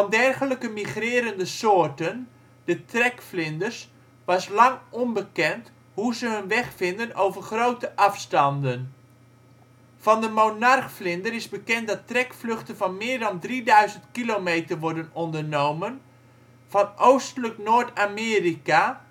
dergelijke migrerende soorten, de trekvlinders, was lang onbekend hoe ze hun weg vinden over grote afstanden. Van de monarchvlinder is bekend dat trekvluchten van meer dan 3000 kilometer worden ondernomen, van oostelijk Noord-Amerika